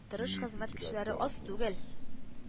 Ырыш хезмәт кешеләре аз түгел